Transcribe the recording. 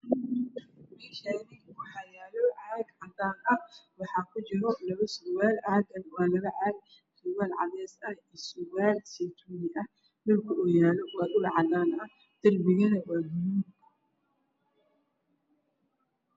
Meeshaan waxaa yaalo caag cadaan ah waxaa kujiro labo surwaal. Caaga waa labo caag. Surwaal cadeys ah iyo surwaal seytuun ah. Darbiguna waa cadeys.